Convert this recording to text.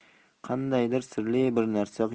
qandaydir sirli bir narsa